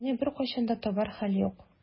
Сине беркайчан да табар хәл юк.